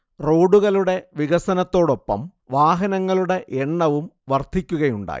റോഡുകളുടെ വികസനത്തോടൊപ്പം വാഹനങ്ങളുടെ എണ്ണവും വർധിക്കുകയുണ്ടായി